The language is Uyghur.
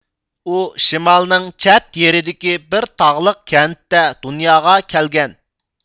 ئۇ شىمالنىڭ چەت يېرىدىكى بىر تاغلىق كەنتتە دۇنياغا كەلگەن